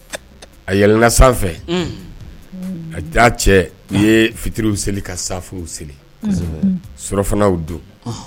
Aɛlɛnla sanfɛ da cɛ i ye fitiriw seli ka safow seli suɔfanaw don